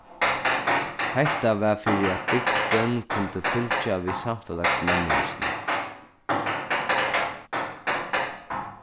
hetta var fyri at bygdin kundi fylgja við samfelagsmenningini